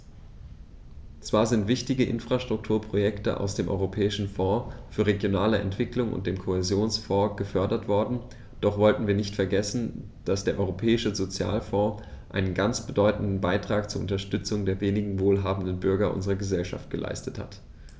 Zwar sind wichtige Infrastrukturprojekte aus dem Europäischen Fonds für regionale Entwicklung und dem Kohäsionsfonds gefördert worden, doch sollten wir nicht vergessen, dass der Europäische Sozialfonds einen ganz bedeutenden Beitrag zur Unterstützung der weniger wohlhabenden Bürger unserer Gesellschaft geleistet hat.